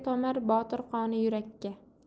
tomar botir qoni yurakka